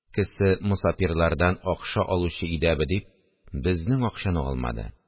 Кесе мосапирлардан акша алучы идәбе, – дип, безнең акчаны алмады